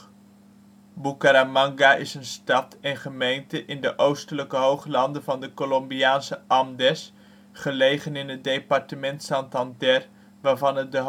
Bucaramanga is een stad en gemeente in de oostelijke hooglanden van de Colombiaanse Andes, gelegen in het departement Santander, waarvan het de